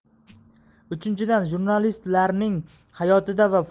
uchinchidan jurnalistlarning hayotida va